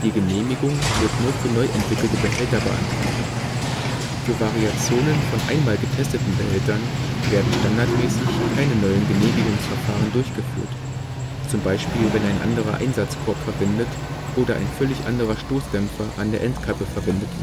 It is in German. Genehmigung wird nur für neu entwickelte Behälter beantragt. Für Variationen von einmal getesteten Behältern werden standardmäßig keine neuen Genehmigungsverfahren durchgeführt, zum Beispiel wenn ein anderer Einsatzkorb verwendet oder ein völlig anderer Stoßdämpfer (Endkappe) verwendet